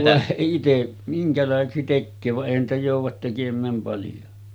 voi - itse minkälaiseksi tekee vaan eihän niitä jouda tekemään paljon